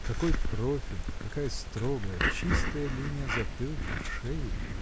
какой профиль, какая строгая, чистая линия затылка, шеи!